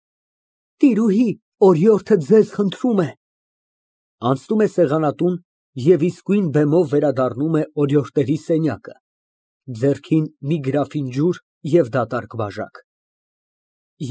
Տիրուհի, օրիորդը ձեզ խնդրում է։ (Անցնում է սեղանատուն և իսկույն բեմով վերադառնում է օրիորդների սենյակը՝ ձեռքին մի գրաֆին ջուր և դատարկ բաժակ)։